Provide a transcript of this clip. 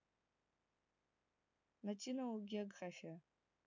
national география